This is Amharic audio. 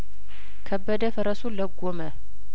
ከበደ ፈረሱን ለጐመ